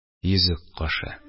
Йөзек кашы